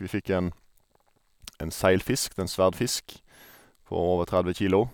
Vi fikk en en seilfisk, det er en sverdfisk, på over tredve kilo.